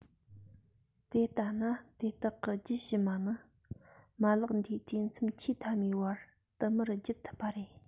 དེ ལྟ ན དེ དག གི རྒྱུད ཕྱི མ ནི མ ལག འདིའི དུས མཚམས ཆེས མཐའ མའི བར དུ མར བརྒྱུད ཐུབ པ རེད